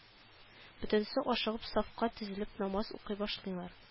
Бөтенесе ашыгып сафка тезелеп намаз укый башлыйлар